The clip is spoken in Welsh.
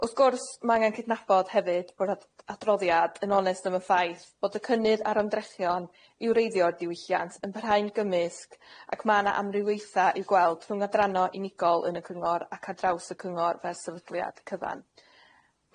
Wrth gwrs ma' angan cydnabod hefyd bod a- adroddiad yn onest am y ffaith bod y cynnydd a'r ymdrechion i wreiddio'r diwylliant yn parhau'n gymysg ac ma' 'na amrywiaetha i'w gweld rhwng adranna unigol yn y Cyngor ac ar draws y Cyngor fel sefydliad cyfan.